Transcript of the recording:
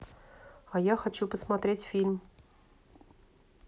а я хочу посмотреть фильм